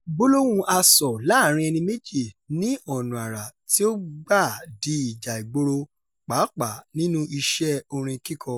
Gbólóhùn asọ̀ láàárín ẹni méjì ní ọ̀nà àrà tí ó gbà di ìjà ìgboro — papàá nínú iṣẹ́ orin kíkọ.